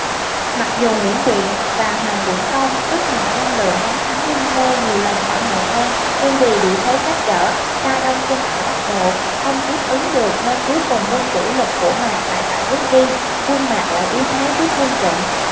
mặc dù nguyễn quyện và hoàng quận công tức mạc đăng lượng đánh thắng quân lê nhiều lần ở nghệ an nhưng vì địa thế cách trở xa đông kinh ở bắc bộ không tiếp ứng được nên cuối cùng quân chủ lực của mạc lại phải rút đi quân mạc lại yếu thế trước quân trịnh